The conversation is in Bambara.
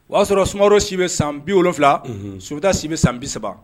O y'a sɔrɔ Sumaworo si bɛ san 70,. Unhun! Sunjata si bɛ san 30.